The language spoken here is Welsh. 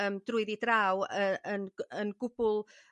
yym drwyddi draw y- yn yn gwbl